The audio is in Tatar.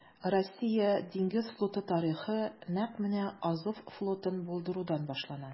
Россия диңгез флоты тарихы нәкъ менә Азов флотын булдырудан башлана.